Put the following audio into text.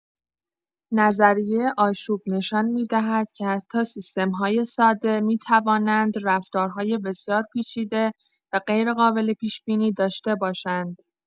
نظریه آشوب نشان می‌دهد که حتی سیستم‌های ساده، می‌توانند رفتارهای بسیار پیچیده و غیرقابل پیش‌بینی داشته باشند.